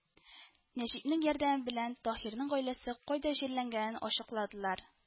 Нәҗипнең ярдәме белән Таһирның гаиләсе кайда җирләнгәнен ачыкладылар